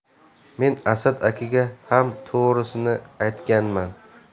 men asad akaga ham to'g'risini aytganman